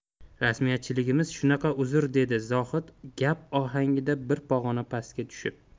rasmiyatchiligimiz shunaqa uzr dedi zohid gap ohangida bir pog'ona pastga tushib